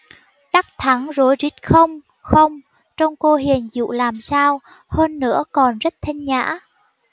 đắc thắng rối rít không không trông cô hiền dịu làm sao hơn nữa còn rất thanh nhã